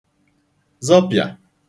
zọpịà